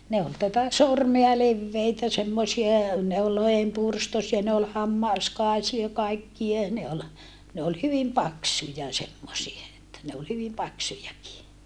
ne oli tätä sormea leveitä semmoisia ne oli lohenpyrstöisiä ne oli hammaskaisia kaikkia ne oli ne oli hyvin paksuja semmoisia että ne oli hyvin paksujakin